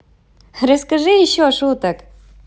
расскажи еще шуток